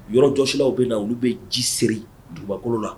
Yɔrɔ jɔsilaw bɛ na; olu bɛ ji seri dugumakolo la.